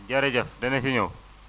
jërëjëf dana si ñëw